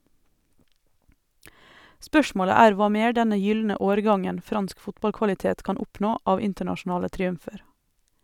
Spørsmålet er hva mer denne gylne årgangen fransk fotballkvalitet kan oppnå av internasjonale triumfer.